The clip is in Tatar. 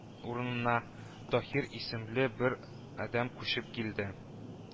Урынына таһир исемле бер адәм күчеп килде